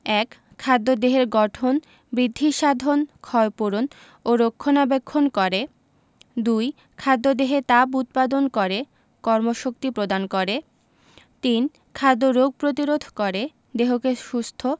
১. খাদ্য দেহের গঠন বৃদ্ধিসাধন ক্ষয়পূরণ ও রক্ষণাবেক্ষণ করে ২. খাদ্য দেহে তাপ উৎপাদন করে কর্মশক্তি প্রদান করে ৩. খাদ্য রোগ প্রতিরোধ করে দেহকে সুস্থ